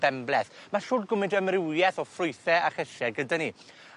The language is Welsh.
benbleth. Ma' shwd gwmint o amrywieth o ffrwythe a chysie gyda ni.